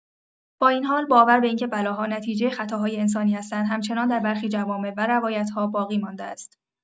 با این حال، باور به اینکه بلاها نتیجه خطاهای انسانی هستند، همچنان در برخی جوامع و روایت‌ها باقی‌مانده است.